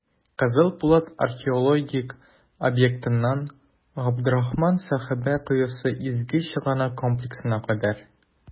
«кызыл пулат» археологик объектыннан "габдрахман сәхабә коесы" изге чыганак комплексына кадәр.